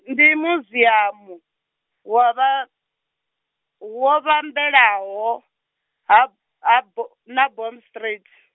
ndi muziamu, wa vha, wo vhambelaho, ha ha bo-, na Boomstraat.